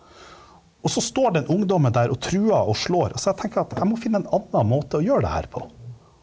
også står den ungdommen der og truer og slår, så jeg tenker at jeg må finne en anna måte å gjøre det her på.